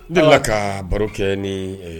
N delila ka baro kɛ ni ɛɛ